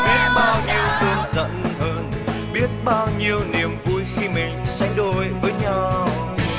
biết bao nhiêu cơn giận hờn biết bao nhiêu niềm vui khi mình sánh đôi với nhau